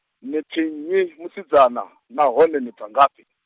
ni pfi nnyi musidzana , nahone ni bva ngafhi?